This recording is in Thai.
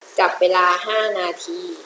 จับเวลาห้านาที